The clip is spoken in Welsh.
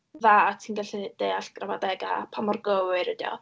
dda ti'n gallu deall gramadeg, a pa mor gywir ydi o.